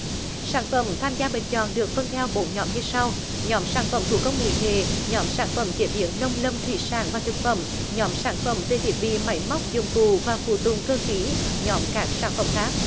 sản phẩm tham gia bình chọn được phân theo bốn nhóm như sau nhóm sản phẩm thủ công mỹ nghệ nhóm sản phẩm chế biến nông lâm thủy sản và thực phẩm nhóm sản phẩm về thiết bị máy móc dụng cụ và phụ tùng cơ khí nhóm các sản phẩm khác